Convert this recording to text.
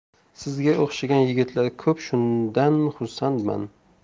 sizga o'xshagan yigitlar ko'p shundan xursandman